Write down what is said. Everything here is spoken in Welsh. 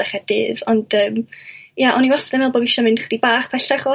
â Chaerdydd ond yym ia o'n i wastad yn meddwl bo' fi isio mynd 'chydig bach pellach o adra